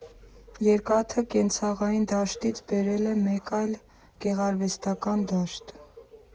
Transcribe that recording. Երկաթը կենցաղային դաշտից բերել եմ մեկ այլ՝ գեղարվեստական դաշտ։